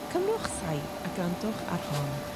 cymrwch saib a grandwch ar hon.